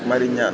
Marie Niane